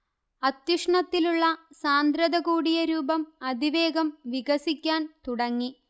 അത്യുഷ്ണത്തിലുള്ള സാന്ദ്രതകൂടിയ രൂപം അതിവേഗം വികസിക്കാൻ തുടങ്ങി